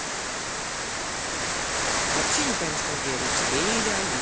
вообще не поймешь кому верить тебе или алисе